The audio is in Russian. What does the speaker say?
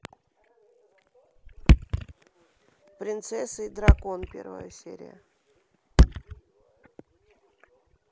принцесса и дракон первая серия